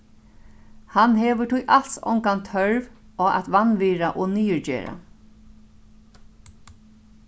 hann hevur tí als ongan tørv á at vanvirða og niðurgera